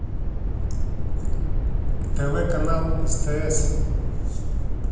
тв канал стс